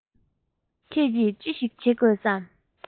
ཁྱོད ཀྱིས ཅི ཞིག བྱེད དགོས སམ